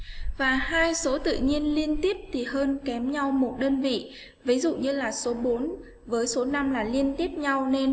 và số tự nhiên liên tiếp thì hơn kém nhau đơn vị ví dụ như là số với số là liên tiếp nhau nè